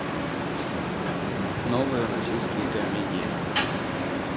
новые российские комедии